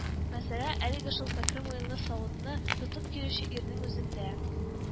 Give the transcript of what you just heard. Мәсьәлә әлеге шул кәкре муенлы савытны тотып килүче ирнең үзендә